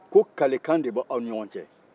ko kalikan de b'aw ni ɲɔgɔn cɛ